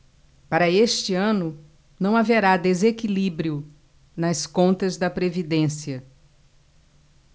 para este ano não haverá desequilíbrio nas contas da previdência